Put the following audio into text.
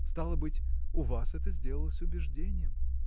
Стало быть, у вас это сделалось убеждением.